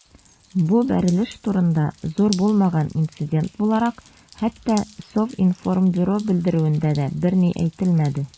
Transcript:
Бу бәрелеш турында, зур булмаган инцидент буларак, хәтта Совинформбюро белдерүендә дә берни әйтелмәде.